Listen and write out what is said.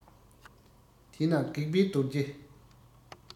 དེས ན སྒེག པའི རྡོ རྗེ